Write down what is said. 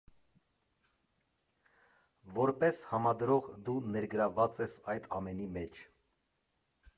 Որպես համադրող դու ներգրավված ես այդ ամենի մե՞ջ։